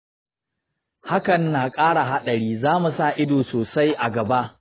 hakan na ƙara haɗari; za mu sa ido sosai a gaba.